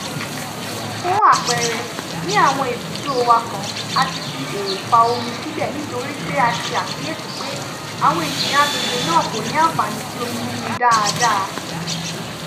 Fún àpẹẹrẹ, ní àwọn ibùdó wa kan, àti fi òòfà omi sí bẹ̀ nítorí pé a ṣe àkíyèsí pé àwọn ènìyàn agbègbè náà kò ní àǹfààní sí omi mímu daada.